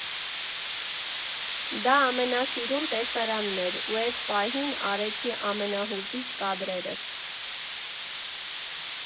Դա ամենասիրուն տեսարանն էր, ու էդ պահին արեցի ամենահուզիչ կադրերս։